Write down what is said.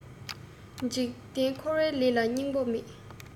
འཇིག རྟེན འཁོར བའི ལས ལ སྙིང པོ མེད